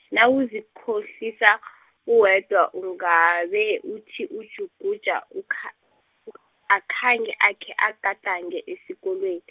nawuzikhohlisa , uwedwa ungabe uthi uJuguja ukha- , akhange akhe agadange, esikolweni.